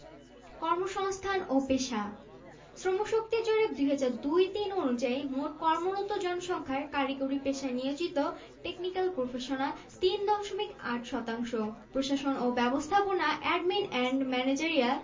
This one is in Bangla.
শক্তির উৎসঃ কাঠ খড়ি বা লাকড়ি প্রাকৃতিক গ্যাস পেট্রোলিয়াম কয়লা জলবিদ্যুৎ সৌরশক্তি বায়োগ্যাস ইত্যাদি ব্যাংক ও আর্থিক প্রতিষ্ঠান